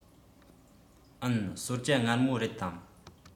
འུན གསོལ ཇ མངར མོ རེད དམ